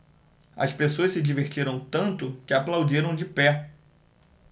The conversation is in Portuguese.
as pessoas se divertiram tanto que aplaudiram de pé